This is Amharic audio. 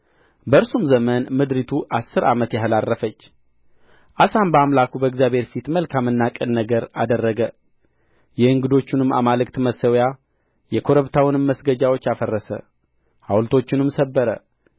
በእርሱም ዘመን ምድሪቱ አሥር ዓመት ያህል ዐረፈች አሳም በአምላኩ በእግዚአብሔር ፊት መልካምና ቅን ነገር አደረገ የእንግዶቹንም አማልክት መሠዊያ የኮረብታውንም መስገጃዎች አፈረሰ ሐውልቶቹንም ሰበረ